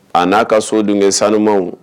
A n'a ka sodunke sanumanw